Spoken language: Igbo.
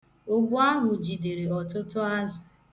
Ụgbụ ahụ jidere ọtụtụ azụ.